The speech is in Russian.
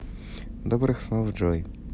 добрых снов джой